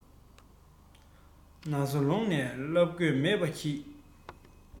ན སོ ལོངས ནས བསླབས དགོས མེད པ གྱིས